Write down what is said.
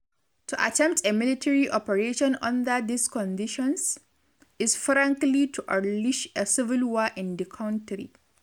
To attempt a military operation under these conditions, is frankly to unleash a civil war in the country.